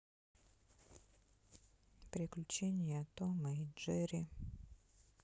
приключения тома и джерри